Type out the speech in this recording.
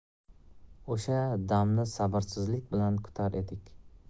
o'sha damni sabrsizlik bilan kutar edik